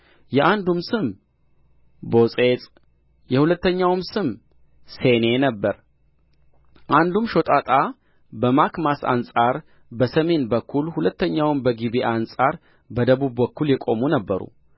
የአንዱም ስም ቦጼጽ የሁለተኛውም ስም ሴኔ ነበረ አንዱም ሾጣጣ በማክማስ አንጻር በሰሜን በኩል ሁለተኛውም በጊብዓ አንጻር በደቡብ በኩል የቆሙ ነበሩ